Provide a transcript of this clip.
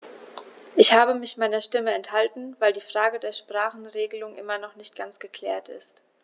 Ich habe mich meiner Stimme enthalten, weil die Frage der Sprachenregelung immer noch nicht ganz geklärt ist.